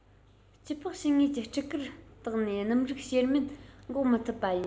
སྐྱི ལྤགས ཕྱི ངོས ཀྱི སྤྲི དཀར དག ནས སྣུམ རིགས གཤེར རྨེན འགོག མི ཐུབ པ ཡིན